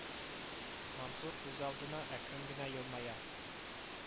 Мансур үзалдына әкрен генә елмая